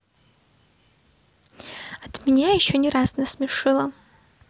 от меня еще не раз насмешило